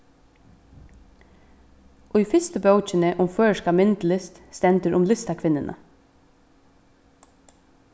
í fyrstu bókini um føroyska myndlist stendur um listakvinnuna